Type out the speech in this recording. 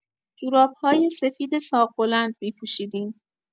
جوراب‌های سفید ساق بلند می‌پوشیدیم.